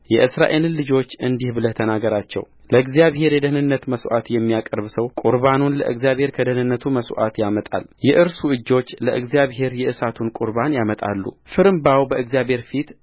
የእስራኤልን ልጆች እንዲህ ብለህ ተናገራቸው ለእግዚአብሔር የደኅንነት መሥዋዕት የሚያቀርብ ሰው ቍርባኑን ለእግዚአብሔር ከደኅንነቱ መሥዋዕት ያመጣል የእርሱ እጆች ለእግዚአብሔር የእሳቱን ቍርባን ያመጣሉ ፍርምባው በእግዚአብሔር ፊት